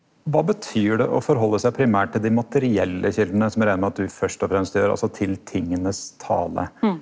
kva betyr det å forhalde seg primært til dei materielle kjeldene som eg reknar med at du først og fremst gjer altså til tingas tale?